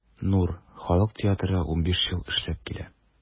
“нур” халык театры 15 ел эшләп килә.